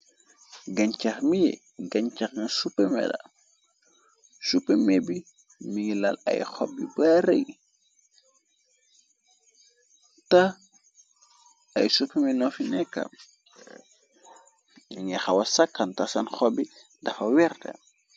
Gañcax mie gañcaxn supemera supemer bi mingi lal ay xob bi baarë y te ay supeme nofi nekka yingi xawa sakkantex san xobi dafa weerte.